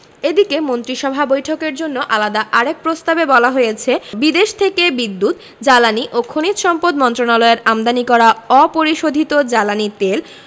এদিকে মন্ত্রিসভা বৈঠকের জন্য আলাদা আরেক প্রস্তাবে বলা হয়েছে বিদেশ থেকে বিদ্যুৎ জ্বালানি ও খনিজ সম্পদ মন্ত্রণালয়ের আমদানি করা অপরিশোধিত জ্বালানি তেল